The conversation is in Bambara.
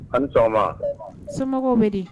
An somɔgɔw bɛ di